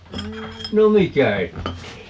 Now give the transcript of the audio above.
no mikä että ei